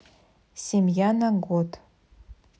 семья на год